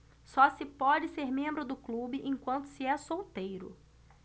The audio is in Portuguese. só se pode ser membro do clube enquanto se é solteiro